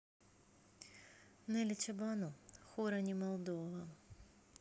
нелли чобану хора не молдова